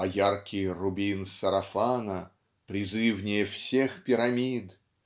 А яркий рубин сарафана Призывнее всех пирамид.